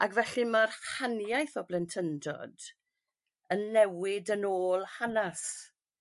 Ag felly ma'r haniaeth o blentyndod yn newid yn ôl hanas.